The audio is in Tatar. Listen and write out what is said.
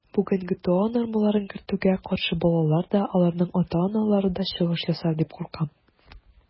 Бүген ГТО нормаларын кертүгә каршы балалар да, аларның ата-аналары да чыгыш ясар дип куркам.